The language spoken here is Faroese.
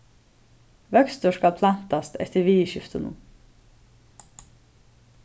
vøkstur skal plantast eftir viðurskiftunum